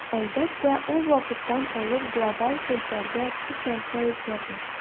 Әлбәттә, ул вакыттан алып глобаль челтәрдә күп нәрсә үзгәрде.